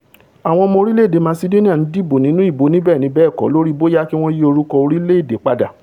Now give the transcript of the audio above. Àwọn ọmọ orílẹ̀-èdè Macedonia ń dìbò nínú ìbò oníbẹ́ẹ̀ni-bẹ́ẹ̀kọ́ lórí bóyá kí wọn yí orúkọ orilẹ̵-ede padà